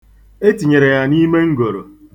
E tinyere ya n'ime mgoro.